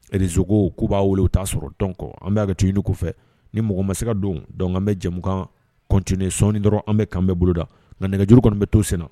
Rizgo k'u b'a weele u t'a sɔrɔ dɔn kɔ an bɛ a ka kɛ tulu kɔfɛ ni mɔgɔ ma se don dɔn bɛ jɛmukant sɔɔni dɔrɔn an bɛ kanbe boloda nka nɛgɛjuru kɔnɔ bɛ to sen na